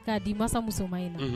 K'a d dii ma musoman in na